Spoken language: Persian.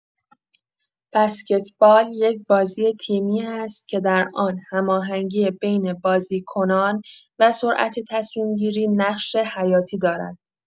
بسکتبال یک بازی تیمی است که در آن هماهنگی بین بازیکنان و سرعت تصمیم‌گیری نقش حیاتی دارد.